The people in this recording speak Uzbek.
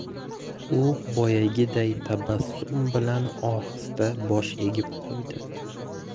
u boyagiday tabassum bilan ohista bosh egib qo'ydi